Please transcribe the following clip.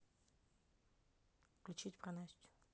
включить про настю